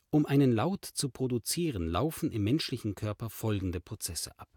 Um einen Laut zu produzieren, laufen im menschlichen Körper folgende Prozesse ab